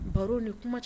Baro ni kuma c